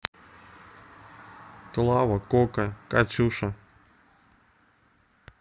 клава кока катюша